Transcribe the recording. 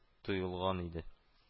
Тоелган иде